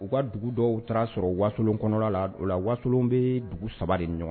U ka dugu dɔw taara sɔrɔ waso kɔnɔ la o la waso bɛ dugu saba de ɲɔgɔn